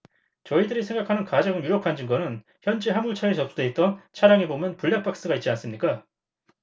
저희들이 생각하는 가장 유력한 증거는 현재 화물차에 접수돼 있던 차량에 보면 블랙박스가 있지 않습니까